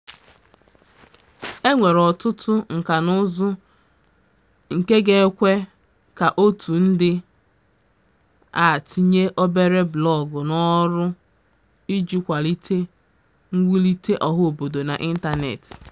E nwere ọtụtụ nkànaụzụ nke ga-ekwe ka òtù ndị a tinye obere blọọgụ n'ọrụ iji kwalite mwulite ọhaobodo n'ịntanetị